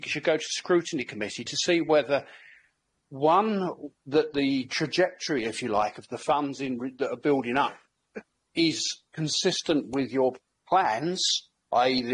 you should go to the scrutiny committee to see whether, one that the trajectory if you like of the funds in re- that are building up is consistent with your plans i.e.